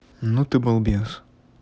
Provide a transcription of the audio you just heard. ну ты балбес